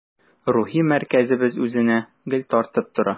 Рухи мәркәзебез үзенә гел тартып тора.